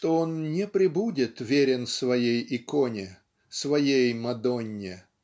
что он не пребудет верен своей иконе своей Мадонне.